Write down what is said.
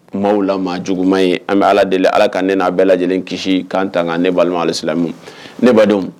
Kuma la maa juguman in ye an bɛ ala deli ala ka ne n'a bɛɛ lajɛlen kisi k'an tanga ne' silamɛmu ne badenw